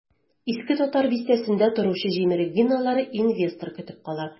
Иске татар бистәсендә торучы җимерек биналар инвестор көтеп кала.